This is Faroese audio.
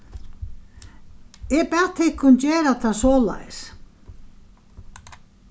eg bað tykkum gera tað soleiðis